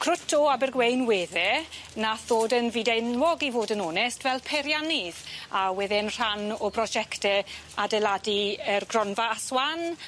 Crwt o Abergweun wedd e nath ddod yn fyd-enwog i fod yn onest fel peiriannydd a wedd e'n rhan o brosiecte adeiladu yr Gronfa Aswan